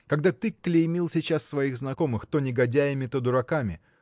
когда ты клеймил сейчас своих знакомых то негодяями то дураками